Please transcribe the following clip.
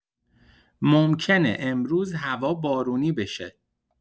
ممکنه امروز هوا بارونی بشه.